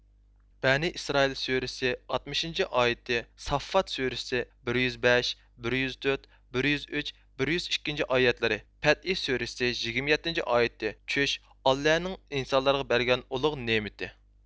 بەنى ئىسرائىل سۈرىسى ئاتمىشىنچى ئايىتى ساففات سۈرىسى بىر يۈز ئىككى بىر يۈز ئۈچ بىر يۈز تۆت بىر يۈز بەشىنچى ئايەتلىرى پەتھى سۈرىسى يىگىرمە يەتتىنچى ئايىتى چۈش ئاللانىڭ ئىنسانلارغا بەرگەن ئۇلۇغ نېمىتى